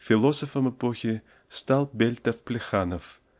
"Философом" эпохи стал Бельтов-Плеханов